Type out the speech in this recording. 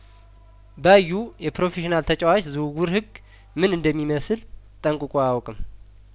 ባዩ የፕሮፌሽናል ተጫዋች ዝውውር ህግምን እንደሚመስል ጠንቅቆ አያውቅም